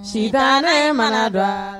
Sitanɛ mana daa